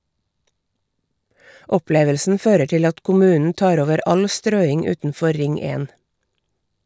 Opplevelsen fører til at kommunen tar over all strøing utenfor Ring 1.